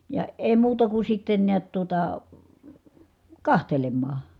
ja ei muuta kuin sitten näet tuota katselemaan